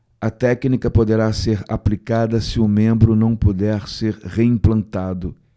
a técnica poderá ser aplicada se o membro não puder ser reimplantado